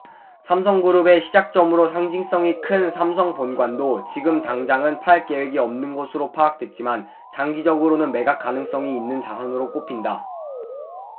삼성그룹의 시작점으로 상징성이 큰 삼성본관도 지금 당장은 팔 계획이 없는 것으로 파악됐지만 장기적으로는 매각 가능성이 있는 자산으로 꼽힌다